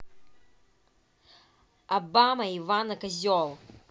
обама иванна козел